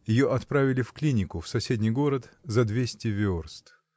Ее отправили в клинику, в соседний город, за двести верст.